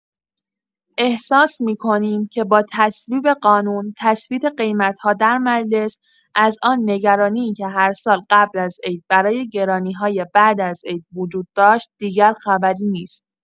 احساس می‌کنیم که با تصویب قانون تثبیت قیمت‌ها در مجلس، از آن نگرانی که هر سال قبل از عید برای گرانی‌های بعد از عید وجود داشت، دیگر خبری نیست.